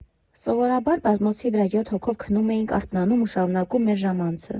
Սովորաբար բազմոցի վրա յոթ հոգով քնում էինք, արթնանում ու շարունակում մեր ժամանցը։